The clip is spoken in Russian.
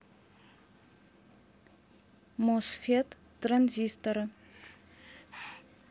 мосфет транзисторы